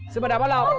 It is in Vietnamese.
xin mời đào bá lộc